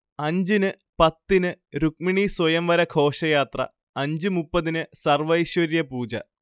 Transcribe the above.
അഞ്ചിന് പത്തിന് രുക്മിണീസ്വയംവര ഘോഷയാത്ര അഞ്ച് മുപ്പതിന് സർവൈശ്വര്യപൂജ